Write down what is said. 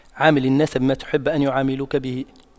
عامل الناس بما تحب أن يعاملوك به